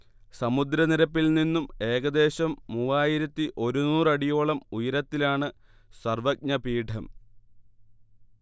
സമുദ്രനിരപ്പിൽ നിന്നും ഏകദേശം മൂവായിരത്തി ഒരുനൂറ് അടിയോളം ഉയരത്തിലാണ് സർവ്വജ്ഞപീഠം